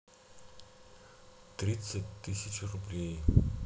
тридцать тысяч рублей